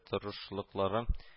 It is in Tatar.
Тырышлыкларын